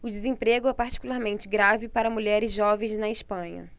o desemprego é particularmente grave para mulheres jovens na espanha